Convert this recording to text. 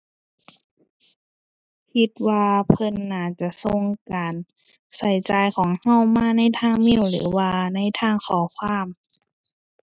คิดว่าเพิ่นน่าจะส่งการใช้จ่ายของใช้มาในทางเมลหรือว่าในทางข้อความ